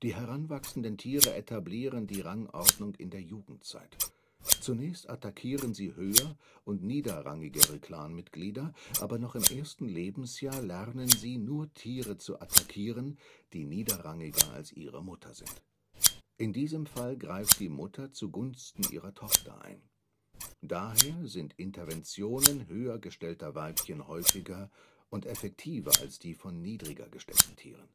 heranwachsenden Tiere etablieren die Rangordnung in der Jugendzeit: zunächst attackieren sie höher - und niederrangigere Clanmitglieder, aber noch im ersten Lebensjahr lernen sie, nur Tiere zu attackieren, die niederrangiger als ihre Mutter sind. In diesem Fall greift die Mutter zugunsten ihrer Tochter ein. Daher sind Interventionen höhergestellter Weibchen häufiger und effektiver als die von niedriger gestellten Tieren